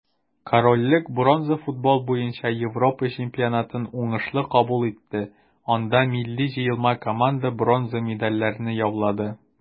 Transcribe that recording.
Корольлек бронза футбол буенча Европа чемпионатын уңышлы кабул итте, анда милли җыелма команда бронза медальләрне яулады.